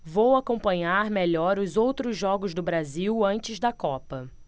vou acompanhar melhor os outros jogos do brasil antes da copa